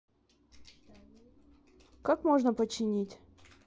как можно починить